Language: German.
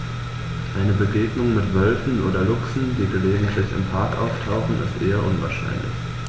Eine Begegnung mit Wölfen oder Luchsen, die gelegentlich im Park auftauchen, ist eher unwahrscheinlich.